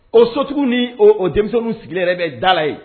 O so tigi ni o denmisɛnnin ninnu sigilen yɛrɛ bɛ da la yen.